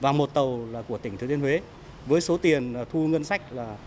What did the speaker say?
và một tàu là của tỉnh thừa thiên huế với số tiền thu ngân sách là